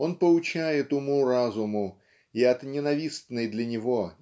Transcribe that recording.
он поучает уму-разуму и от ненавистной для него